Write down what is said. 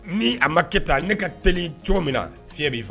Ni a ma kɛ ne ka t ni cogo min na fi b'i faa